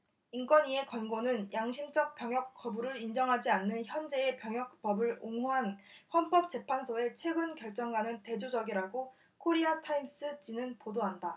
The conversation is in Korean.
인권위의 권고는 양심적 병역 거부를 인정하지 않는 현재의 병역법을 옹호한 헌법 재판소의 최근 결정과는 대조적이라고 코리아 타임스 지는 보도한다